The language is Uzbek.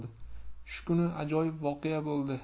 shu kuni ajoyib voqea bo'ldi